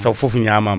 taw foof ñamama